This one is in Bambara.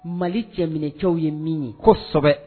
Mali cɛminɛcɛw ye min ye kobɛ.